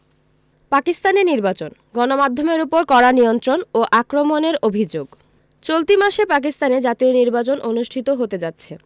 পাকিস্তানে নির্বাচন গণমাধ্যমের ওপর কড়া নিয়ন্ত্রণ ও আক্রমণের অভিযোগ চলতি মাসে পাকিস্তানে জাতীয় নির্বাচন অনুষ্ঠিত হতে যাচ্ছে